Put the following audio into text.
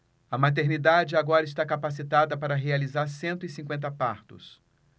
a maternidade agora está capacitada para realizar cento e cinquenta partos